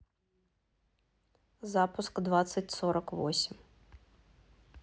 запуск двадцать сорок восемь